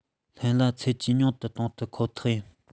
ལྷན གླ ཚད ཇེ ཉུང དུ གཏོང ཐག ཆོད ཡིན